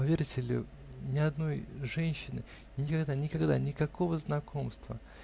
Поверите ли, ни одной женщины, никогда, никогда! Никакого знакомства!